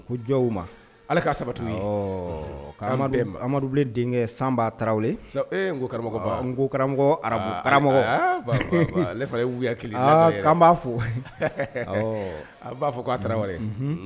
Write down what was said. Ko jɔ o ma Ala k'a sabati u ye. Awɔ, Amadubilen denkɛ Sanba Tarawele, Ee nko karamɔgɔ ba, nko karamɔgɔ, arabe karamɔgɔ aa bababa 'aak' an b'a fɔ, an b'a fɔ k'a Tarawele